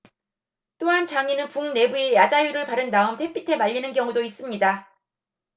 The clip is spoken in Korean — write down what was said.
또한 장인은 북 내부에 야자유를 바른 다음 햇빛에 말리는 경우도 있습니다